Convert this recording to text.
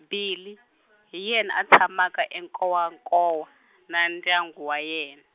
Billy , hi yena a tshamaka eNkowankowa, na ndyangu wa yen-.